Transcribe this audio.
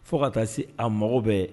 Fo ka taa se a mago bɛɛ